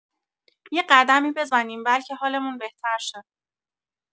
یه قدمی بزنیم بلکه حالمون بهتر شه!